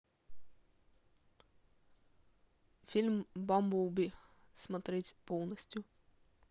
фильм бамблби смотреть полностью